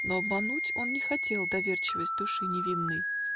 Но обмануть он не хотел Доверчивость души невинной.